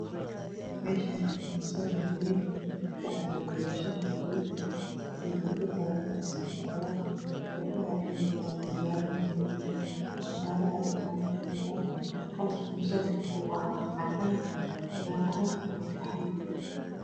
Meshan wamasajidwen waxa joga shan gabdhodiyo gabdhakalan halkas kamuqdo gabdhaha waxey watan xijabomadow kutabo ayyey gacatakawatan kalarka masajidka waacadan daqada Hana wa qaxwi